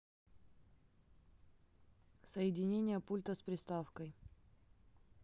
соединение пульта с приставкой